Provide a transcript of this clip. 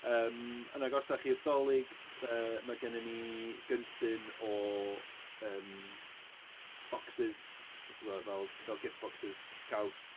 Yym yn agosach i'r Dolig, yy mae gennyn ni gynllun o yym bocsys, timod, fel fel gift bocsys caws.